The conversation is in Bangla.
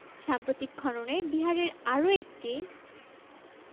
সাম্প্রতিক খননে বিহারে আরও একটি